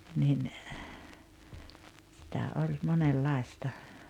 niin sitä oli monenlaista